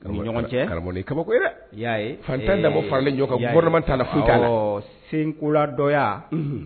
Cɛ kabaa fantan dabɔ faralen jɔ ka bɔma taa senkola dɔ